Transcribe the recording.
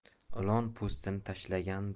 ilon po'stini tashlagani